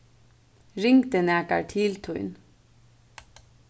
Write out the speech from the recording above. ringdi nakar til tín